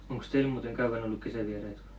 onkos teillä muuten kauan ollut kesävieraita